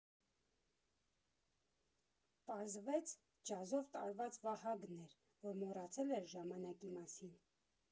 Պարզվեց՝ ջազով տարված Վահագնն էր, որ մոռացել էր ժամանակի մասին։